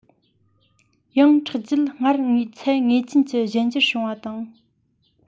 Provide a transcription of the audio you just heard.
ཡང ཁྲག རྒྱུད སྔར ཚད ངེས ཅན གྱི གཞན འགྱུར བྱུང བ དང